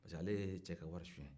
parce que ale ye cɛ ka wari sonya